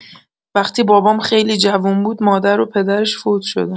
وقتی بابام خیلی جوون بود مادر و پدرش فوت شدن